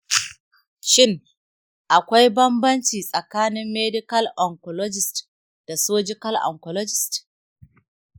shin akwai bambanci tsakanin medical oncologist da surgical oncologist?